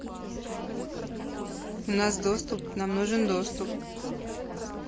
у нас доступ нам нужен доступ